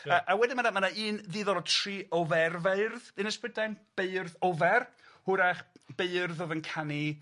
A a wedyn ma' 'na ma' na un ddiddorol, tri oferfeirdd Ynys Prydain, beirdd ofer, hwrach beirdd o'dd yn canu